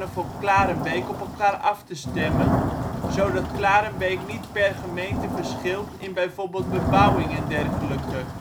voor Klarenbeek op elkaar af te stemmen, zodat Klarenbeek niet per gemeente verschilt in bijvoorbeeld bebouwing en dergelijke